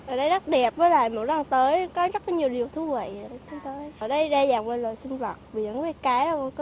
ở đây rất đẹp với lại mỗi lần tới có rất nhiều điều thú vị ở đây đa dạng về loài sinh vật biển với cá